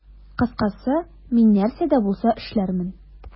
Кыскасы, мин нәрсә дә булса эшләрмен.